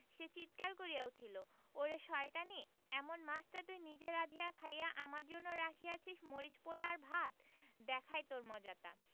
সে চিৎকার করিয়া উঠিল ওরে শয়তানী এমন মাছটা তুই নিজে ব্রাধিয়া খাইয়া আমার জন্য রাখিয়াছিস্ মরিচ পোড়া আর ভাত দেখাই তোর মজাটা